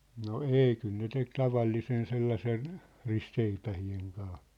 no ei kyllä ne teki tavallisen sellaisen ristiseipäiden kanssa